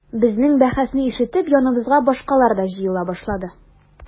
Безнең бәхәсне ишетеп яныбызга башкалар да җыела башлады.